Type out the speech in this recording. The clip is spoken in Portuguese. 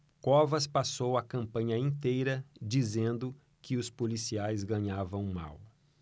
covas passou a campanha inteira dizendo que os policiais ganhavam mal